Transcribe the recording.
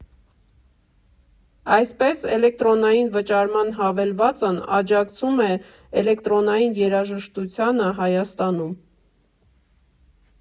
Այսպես, էլեկտրոնային վճարման հավելվածն աջակցում է էլեկտրոնային երաժշտությանը Հայաստանում։